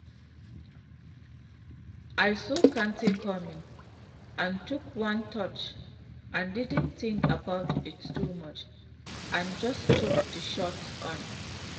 "I saw Kante coming and took one touch and didn't think about it too much and just took the shot on."